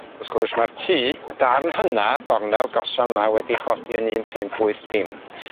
Wrth gwrs ma'r tŷ y darn hynna gornel gosom 'na wedi 'i chodi yn un pump wyth dim.